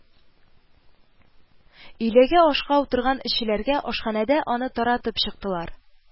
Өйләгә ашка утырган эшчеләргә ашханәдә аны таратып чыктылар